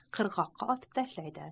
qirg'oqqa otib tashlaydi